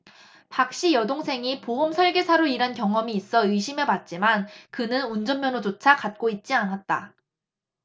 박씨 여동생이 보험설계사로 일한 경험이 있어 의심해 봤지만 그는 운전면허조차 갖고 있지 않았다